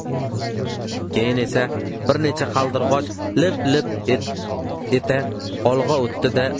keyin esa bir necha qaldirg'och lip lip eta olg'a o'tdi da